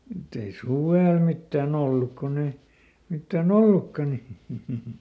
mutta ei suvella mitään ollut kun ei mitään ollutkaan niin